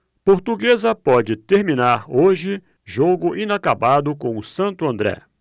portuguesa pode terminar hoje jogo inacabado com o santo andré